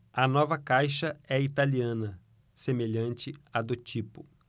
a nova caixa é italiana semelhante à do tipo